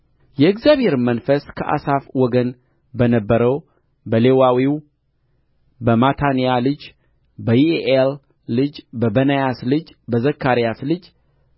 የእግዚአብሔርም መንፈስ ከአሳፍ ወገን በነበረው በሌዋዊው በማታንያ ልጅ በይዒኤል ልጅ በበናያስ ልጅ በዘካሪያስ ልጅ